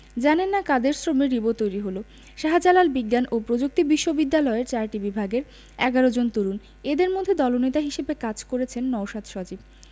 জানেন না কাদের শ্রমে রিবো তৈরি হলো শাহজালাল বিজ্ঞান ও প্রযুক্তি বিশ্ববিদ্যালয়ের চারটি বিভাগের ১১ জন তরুণ এদের মধ্যে দলনেতা হিসেবে কাজ করেছেন নওশাদ সজীব